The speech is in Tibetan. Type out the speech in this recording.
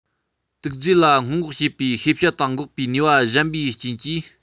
དུག རྫས ལ སྔོན འགོག བྱེད པའི ཤེས བྱ དང འགོག པའི ནུས པ ཞན པའི རྐྱེན གྱིས